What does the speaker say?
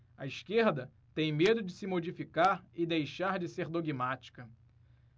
a esquerda tem medo de se modificar e deixar de ser dogmática